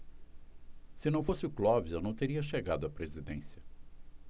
se não fosse o clóvis eu não teria chegado à presidência